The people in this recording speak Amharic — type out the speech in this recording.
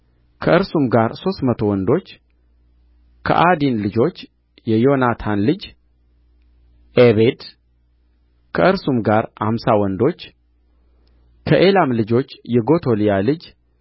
ከእርሱም ጋር ሦስት መቶ ወንዶች ከዓዲን ልጆች የዮናታን ልጅ ዔቤድ ከእርሱም ጋር አምሳ ወንዶች ከኤላም ልጆች የጎቶልያ ልጅ